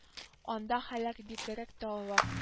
Анда хәлләр бигрәк тә авыр